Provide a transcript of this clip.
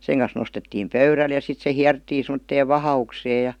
sen kanssa nostettiin pöydälle ja sitten se hierrettiin semmoiseen vahaukseen ja